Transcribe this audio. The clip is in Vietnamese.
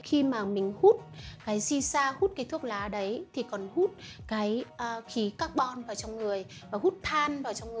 khi mà mình hút cái shisha hút cái thuốc lá ấy thì còn hút khí carbon vào trong người và hút than vào trong người